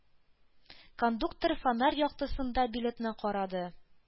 Кондуктор фонарь яктысында билетны карады.